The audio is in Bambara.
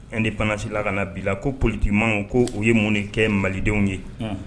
Yandi fanasila ka na bila ko polikiman ko u ye munni kɛ malidenw ye